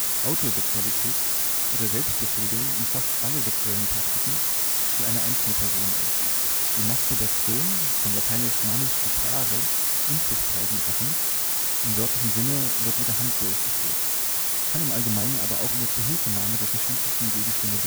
Autosexualität oder „ Selbstbefriedigung “umfasst alle sexuelle Praktiken, die eine einzelne Person ausübt. Die Masturbation (von lateinisch manu stuprare „ Unzucht treiben mit der Hand “) im wörtlichen Sinne wird mit der Hand durchgeführt, kann im Allgemeinen aber auch unter Zuhilfenahme der verschiedensten Gegenstände